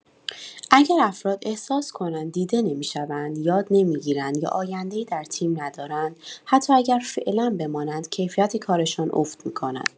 اگر افراد احساس کنند دیده نمی‌شوند، یاد نمی‌گیرند یا آینده‌ای در تیم ندارند، حتی اگر فعلا بمانند، کیفیت کارشان افت می‌کند.